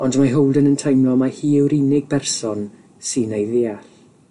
Ond mae Holden yn teimlo mai hi yw'r unig berson sy'n ei ddeall.